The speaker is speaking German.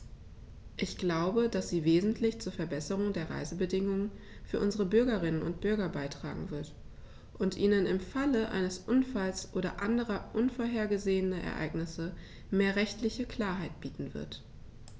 Ich glaube, dass sie wesentlich zur Verbesserung der Reisebedingungen für unsere Bürgerinnen und Bürger beitragen wird, und ihnen im Falle eines Unfalls oder anderer unvorhergesehener Ereignisse mehr rechtliche Klarheit bieten wird.